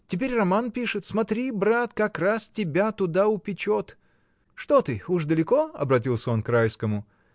Теперь роман пишет: смотри, брат, как раз тебя туда упечет. — Что ты: уж далеко? — обратился он к Райскому.